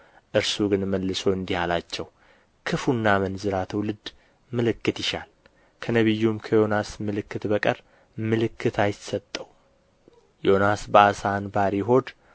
እርሱ ግን መልሶ እንዲህ አላቸው ክፉና አመንዝራ ትውልድ ምልክት ይሻል ከነቢዩም ከዮናስ ምልክት በቀር ምልክት አይሰጠውም ዮናስ በዓሣ አንባሪ ሆድ